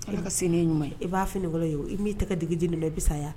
Ala ka sini ɲuman ye i b'a fini fɔlɔ ye m'i tɛgɛ ka digi di minɛ i bɛ saya